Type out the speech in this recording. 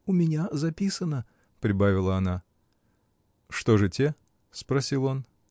“У меня записано”, — прибавила она. — Что ж те? — спросил он.